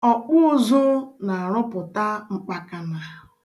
Ọkpụụzụ na-arụpụta mkpakana.